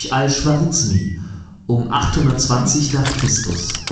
Al-Chwarizmi (um 820 n. Chr.